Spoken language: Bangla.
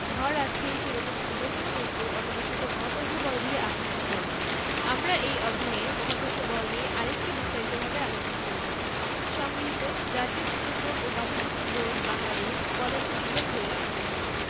কোনো বৈজ্ঞানিক পরীক্ষা দিয়ে এটি প্রমাণ করা সম্ভব হয়নি বলে এটি কোনো গ্রহণযোগ্যতা পায়নি অবশেষে ১৮০৩ সালে ব্রিটিশ বিজ্ঞানী জন ডাল্টন বিভিন্ন পরীক্ষায় প্রাপ্ত ফলাফলের উপর ভিত্তি করে পরমাণু সম্পর্কে একটি মতবাদ দেন যে